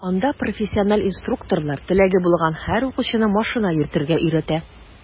Анда профессиональ инструкторлар теләге булган һәр укучыны машина йөртергә өйрәтә.